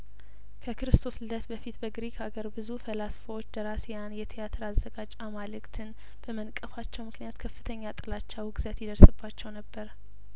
ከክርስቶስ ልደት በፊት በግሪክ አገር ብዙ ፈላስፎች ደራሲያንና የትያትር አዘጋጅ አማልክትን በመንቀፋቸው ምክንያት ከፍተኛ ጥላቻ ውግዘት ይደርስባቸው ነበር